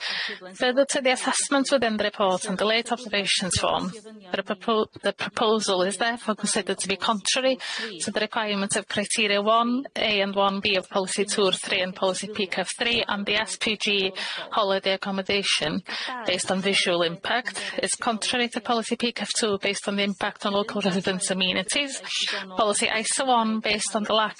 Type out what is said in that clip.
So the t- the assessment within the report and the late observations form that a propo- the proposal is there for considered to be contrary to the requirement of criteria one A and one B of policy two or three and policy peak half three and the S-P-G holiday accommodation based on visual impact is contrary to policy peak half two based on the impact on local residence amenities, policy one based on the lack of